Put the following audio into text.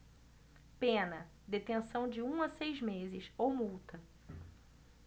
pena detenção de um a seis meses ou multa